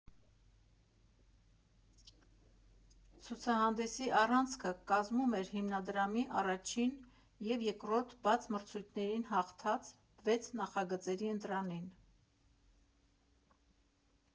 Ցուցահանդեսի առանցքը կազմում էր հիմնադրամի առաջին և երկրորդ բաց մրցույթներին հաղթած վեց նախագծերի ընտրանին։